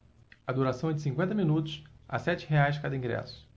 a duração é de cinquenta minutos a sete reais cada ingresso